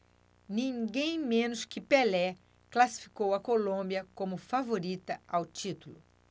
ninguém menos que pelé classificou a colômbia como favorita ao título